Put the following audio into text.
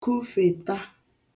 kufèta